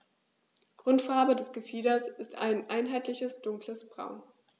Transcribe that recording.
Grundfarbe des Gefieders ist ein einheitliches dunkles Braun.